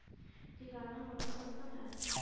Тик аның рухын гына,